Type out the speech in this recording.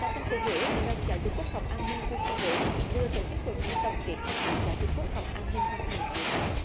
tại thành phố huế hội đồng giáo dục quốc phòng an ninh quân khu bốn vừa tổ chức hội nghị tổng kết công tác giáo dục quốc phòng an ninh năm hai nghìn mười tám